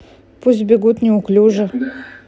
пусть бегут неуклюжи